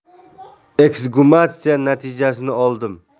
eksgumatsiya natijasini oldim